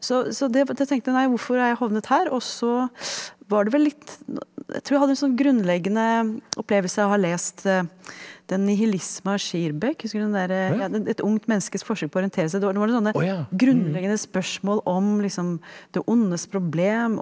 så så det da tenkte jeg nei hvorfor er jeg havnet her også var det vel litt jeg tror jeg hadde litt sånn grunnleggende opplevelse av å ha lest den Nihilisme av Skirbekk, husker du den derre ja den et ungt menneskes forsøk på å orientere seg, det var det var noen sånne grunnleggende spørsmål om liksom det ondes problem.